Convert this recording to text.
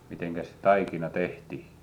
mitenkäs taikina tehtiin